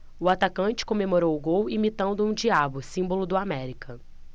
o atacante comemorou o gol imitando um diabo símbolo do américa